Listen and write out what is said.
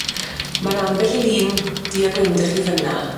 Ma' 'na ambell i lun du a gwyn 'dych chi fyn 'na.